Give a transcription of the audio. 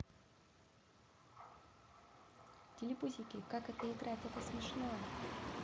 телепузики как это играть это смешно